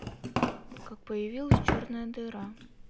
как появилась черная дыра